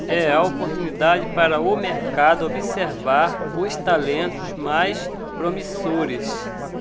é a oportunidade para o mercado observar os talentos mais promissores